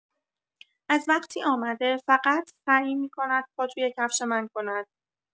از وقتی آمده، فقط سعی می‌کند پا توی کفش من کند.